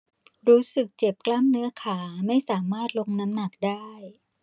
รู้สึกเจ็บกล้ามเนื้อขาไม่สามารถลงน้ำหนักได้